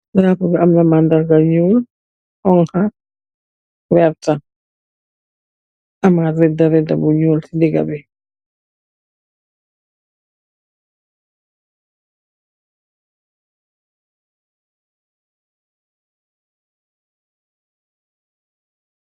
Daraapo bu ame mandarga nyuul, xonxa, werta, am nak radarada bu nyuul si digabi